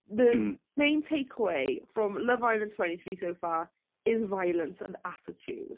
The main takeaway from Love Island twenty three so far is violence and attitude.